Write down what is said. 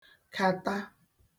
kàta